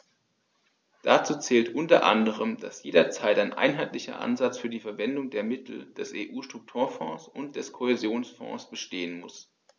Dazu zählt u. a., dass jederzeit ein einheitlicher Ansatz für die Verwendung der Mittel der EU-Strukturfonds und des Kohäsionsfonds bestehen muss.